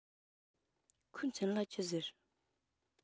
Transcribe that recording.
ཁོའི མཚན ལ ཅི ཟེར